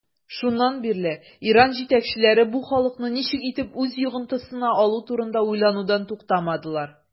Шуннан бирле Иран җитәкчеләре бу халыкны ничек итеп үз йогынтысына алу турында уйлаудан туктамадылар.